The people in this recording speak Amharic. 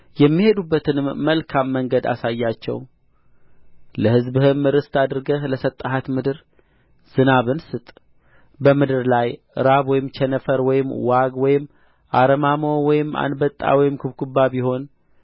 የሚሄዱበትንም መልካም መንገድ አሳያቸው ለሕዝብህም ርስት አድርገህ ለሰጠሃት ምድር ዝናብን ስጥ በምድር ላይ ራብ ወይም ቸነፈር ወይም ዋግ ወይም አረማሞ ወይም አንበጣ ወይም ኩብኩባ ቢሆን